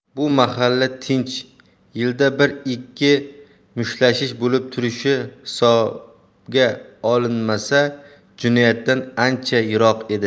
bu mahalla tinch yilda bir ikki mushtlashish bo'lib turishi hisobga olinmasa jinoyatdan ancha yiroq edi